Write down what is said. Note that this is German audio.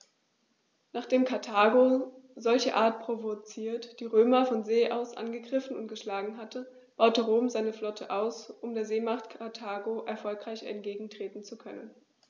Nachdem Karthago, solcherart provoziert, die Römer von See aus angegriffen und geschlagen hatte, baute Rom seine Flotte aus, um der Seemacht Karthago erfolgreich entgegentreten zu können.